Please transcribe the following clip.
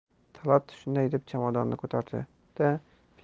talat shunday deb chamadonni ko'tardi da